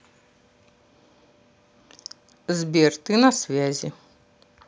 сбер ты на связи